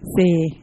Tiɲɛ